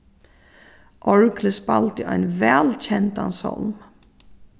orglið spældi ein væl kendan sálm